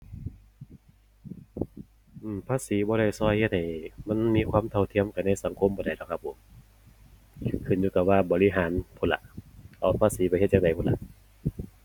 อือ ภาษีบ่ได้ช่วยเฮ็ดให้มันมีความเท่าเทียมกันในสังคมปานใดดอกครับผม ขึ้นอยู่กับว่าบริหารพู้นล่ะ เอาภาษีไปเฮ็ดจั่งใดพู้นล่ะ